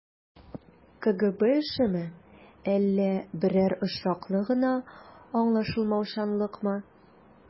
КГБ эшеме, әллә берәр очраклы гына аңлашылмаучанлыкмы?